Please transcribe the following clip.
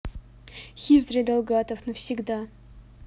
хизри далгатов навсегда